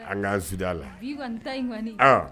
An kaan la